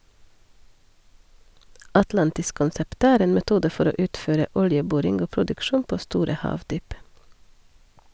Atlantis-konseptet er en metode for å utføre oljeboring og produksjon på store havdyp.